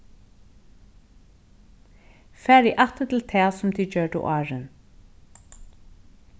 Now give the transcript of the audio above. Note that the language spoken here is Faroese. farið aftur til tað sum tit gjørdu áðrenn